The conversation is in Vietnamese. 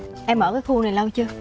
em ở cái khu này lâu chưa